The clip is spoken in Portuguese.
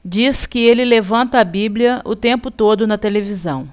diz que ele levanta a bíblia o tempo todo na televisão